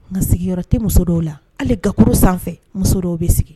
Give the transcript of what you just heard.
Nka sigiyɔrɔ te muso dɔw la hali gakuru sanfɛ muso dɔw bɛ sigi